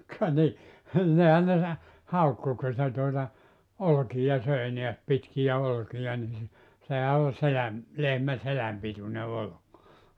ka niin niinhän ne - haukkui kun se tuota olkia söi näet pitkiä olkia niin se sehän on selän lehmän selän pituinen olki